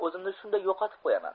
o'zimni shunday yo'qotib qo'yaman